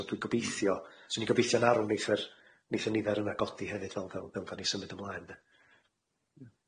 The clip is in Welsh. So dwi'n gobeithio- 'swn i'n gobeithio'n arw neith yr neith y nifer yna godi hefyd fel fel fel fel gawn ni symud ymlaen 'de.